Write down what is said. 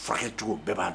Furakɛ cogo bɛɛ b'a dɔn